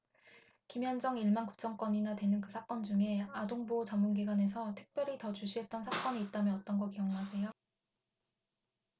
김현정 일 만 구천 건이나 되는 그 사건 중에 아동보호 전문기관에서 특별히 더 주시했던 사건이 있다면 어떤 거 기억나세요